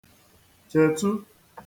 chètu